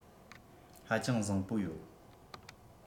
ཧ ཅང བཟང པོ ཡོད